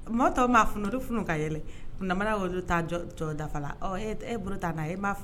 Mɔgɔ tɔ b'a funu funu ka yɛlɛ na dafa la e' e b'a